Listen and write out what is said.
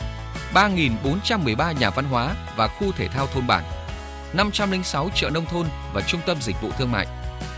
ba nghìn bốn trăm mười ba nhà văn hóa và khu thể thao thôn bản năm trăm linh sáu triệu nông thôn và trung tâm dịch vụ thương mại